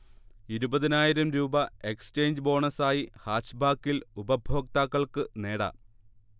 ഇരുപതിനായിരം രൂപ എക്സ്ചേഞ്ച് ബോണസായി ഹാച്ച്ബാക്കിൽ ഉപഭോക്താക്കൾക്ക് നേടാം